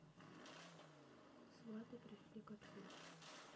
сваты пришли к отцу